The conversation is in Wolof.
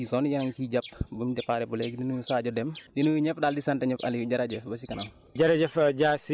parce que yéen a ngi ciy sonn yéen a ciy jàpp ba mu départ ba léegi di nuyu Sadio Deme di nuyu ñëpp daal di sant ñëpp Aliou jërëjëf ba si kanam